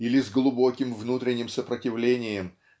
Или с глубоким внутренним сопротивлением